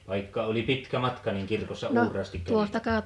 vaikka oli pitkä matka niin kirkossa uuraasti kävivät